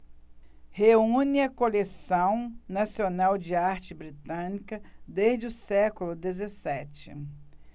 reúne a coleção nacional de arte britânica desde o século dezessete